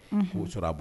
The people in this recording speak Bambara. ' sɔrɔ bɔ